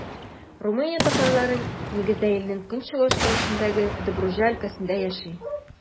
Румыния татарлары, нигездә, илнең көнчыгыш өлешендәге Добруҗа өлкәсендә яши.